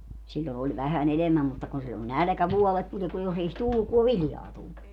silloin oli vähän enemmän mutta kun silloin nälkävuodet tuli kun jos ei olisi tullut kun ei viljaa tullut